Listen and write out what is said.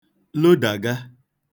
lodàga